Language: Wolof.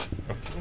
ok